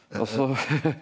altså .